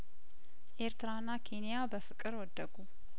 ኤርትራና ኬንያበፍቅር ወደቁ